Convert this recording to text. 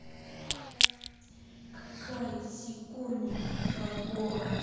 какая сигурни ван гога